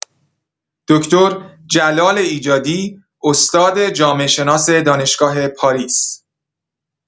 دکتر جلال ایجادی استاد جامعه‌شناس دانشگاه پاریس